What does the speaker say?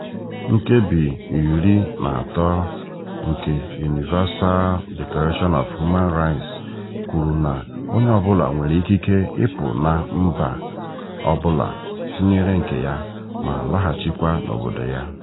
Nkebi 13 nke Universal Declaration of Human Rights kwuru na "Onye ọbụla nwere ikike ịpụ na mba ọbụla, tinyere nke ya, ma laghachikwa n'obodo ya".